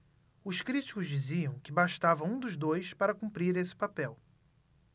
os críticos diziam que bastava um dos dois para cumprir esse papel